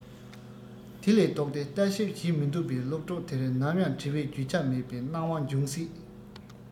དེ ལས ལྡོག ཏེ ལྟ ཞིབ བྱེད མི འདོད པའི སློབ གྲོགས དེར ནམ ཡང བྲི བའི རྒྱུ ཆ མེད པའི སྣང བ འབྱུང སྲིད